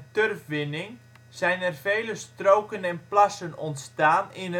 turfwinning zijn en vele stroken en plassen ontstaan in